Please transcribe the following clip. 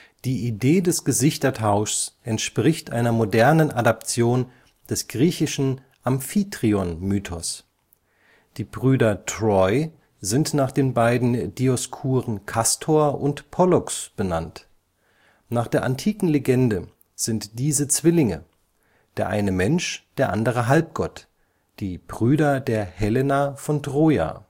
Die Idee des Gesichtertauschs entspricht einer modernen Adaption des griechischen Amphitryon-Mythos. Die Brüder Troy sind nach den beiden Dioskuren Kastor und Pollux benannt. Nach der antiken Legende sind diese Zwillinge, der eine Mensch, der andere Halbgott, die Brüder der Helena von Troja